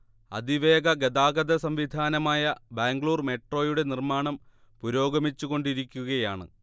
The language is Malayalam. അതിവേഗ ഗതാഗത സംവിധാനമായ ബാംഗ്ലൂർ മെട്രോയുടെ നിർമ്മാണം പുരോഗമിച്ചു കൊണ്ടിരിക്കുകയാണ്